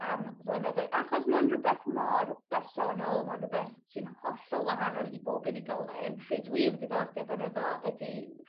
am flynyddoe achos ma' o'n rwbeth mor bersonol ma'n rwbeth sy'n hollol wahanol i bob unigolyn be' dwi efo diddordeb yno fo ydi